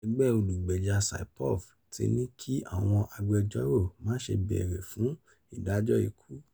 Ẹgbẹ́ olùgbèjà Saipov ti ní kí àwọn agbẹjọ́rò má ṣe bẹ̀rè fún ìdájọ́ ikú.